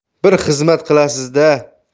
bir xizmat qilasizda